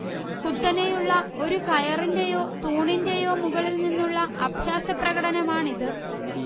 കുത്തനെയുള്ള ഒരു കയറിൻറെയോ തൂണിൻറെയോ മുകളിൽ നിന്നുള്ള അഭ്യാസപ്രകടനമാണിത്